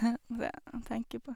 Tenke på...